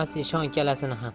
eshon ikkalasini ham